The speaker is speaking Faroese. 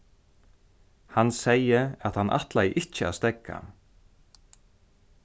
hann segði at hann ætlaði ikki at steðga